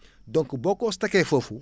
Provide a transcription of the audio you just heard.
donc boo ko stocké foofu